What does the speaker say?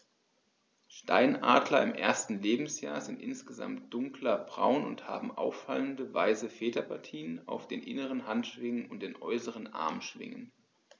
Steinadler im ersten Lebensjahr sind insgesamt dunkler braun und haben auffallende, weiße Federpartien auf den inneren Handschwingen und den äußeren Armschwingen.